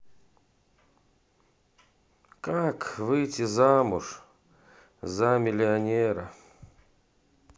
как выйти замуж за миллионера